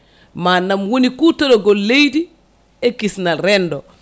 manam woni kutorogol leydi e kisnal rendo